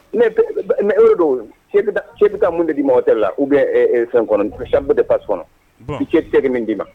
Don sebi mun de di mɔgɔ tɛ la u bɛ fɛn kɔnɔ sabup de pa sɔn bi se tɛgɛ min d'i ma